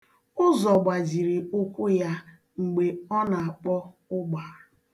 Ụzọ gbajiri ụkwụ ya mgbe ọ na-akpọ ụgba.